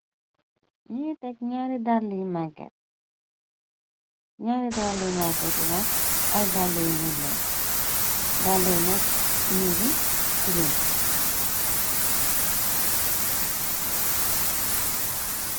ñi tek ñaari daral yi maggat yi nak ay dall yu ñul leen dall yi nak ñi nge tilim